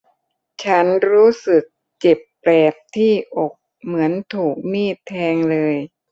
ฉันรู้สึกเจ็บแปลบที่อกเหมือนถูกมีดแทงเลย